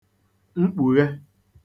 mkpùghe